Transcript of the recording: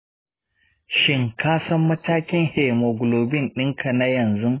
shin ka san matakin hemoglobin ɗinka na yanzu?